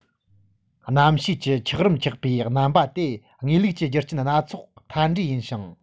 གནམ གཤིས ཀྱི འཁྱགས རོམ ཆགས པའི རྣམ པ དེ དངོས ལུགས ཀྱི རྒྱུ རྐྱེན སྣ ཚོགས ཀྱི མཐའ འབྲས ཡིན ཞིང